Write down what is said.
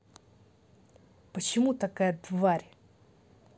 почему такая тварь